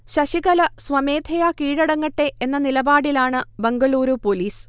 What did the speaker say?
ശശികല സ്വമേധയാ കീഴടങ്ങട്ടെ എന്ന നിലപാടിലാണു ബംഗളൂരു പൊലീസ്